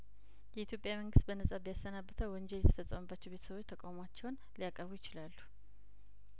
የኢትዮጵያ መንግስት በነጻ ቢያሰናብተው ወንጀል የተፈጸመባቸው ቤተሰቦች ተቃውሟቸውን ሊያቀርቡ ይችላሉ